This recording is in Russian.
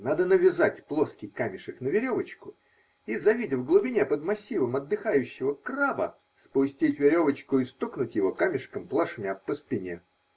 Надо навязать плоский камешек на веревочку и, завидя в глубине под массивом отдыхающего краба, спустить веревочку и стукнуть его камешком плашмя по спине.